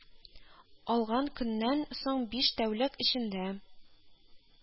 Алган көннән соң биш тәүлек эчендә